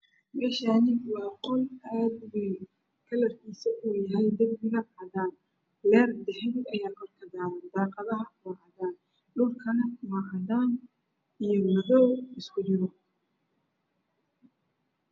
Meshani waa qol aad uween kslarkis oow yahay dirbiga cadan leer qahbi aa kor kadaran daqadha waa cadan dhulkana waa cadan io madow isku jiro